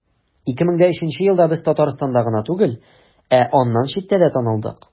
2003 елда без татарстанда гына түгел, ә аннан читтә дә танылдык.